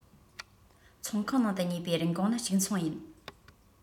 ཚོང ཁང ནང དུ ཉོས པའི རིན གོང ནི གཅིག མཚུངས ཡིན